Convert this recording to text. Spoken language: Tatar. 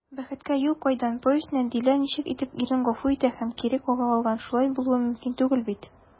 «бәхеткә юл кайдан» повестенда дилә ничек итеп ирен гафу итә һәм кире кага алган, шулай булуы мөмкин түгел бит?»